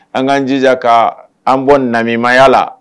An kaan jija ka an bɔ namiya la